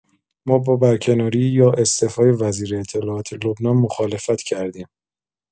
ما با برکناری یا استعفای وزیر اطلاعات لبنان مخالفت کردیم.